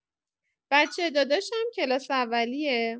بچه داداشم کلاس اولیه.